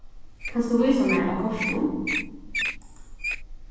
kanst tú vísa mær á kortinum